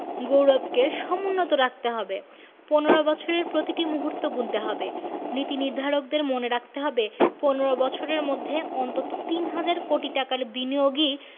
গৌরবকে সমুন্নত রাখতে হবে ১৫ বছরের প্রতিটি মুহূর্ত গুনতে হবে নীতিনির্ধারকদের মনে রাখতে হবে ১৫ বছরের মধ্যে অন্তত তিন হাজার কোটি টাকার বিনিয়োগই